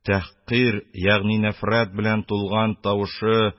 Тәхкыйрь, ягъни нәфрәт белән тулган тавышы